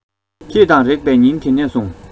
ཁྱེད དང རེག པའི ཉིན དེ ནས བཟུང